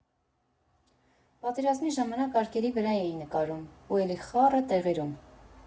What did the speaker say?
Պատերազմի ժամանակ արկերի վրա էի նկարում ու էլի խառը տեղերում։